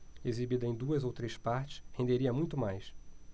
exibida em duas ou três partes renderia muito mais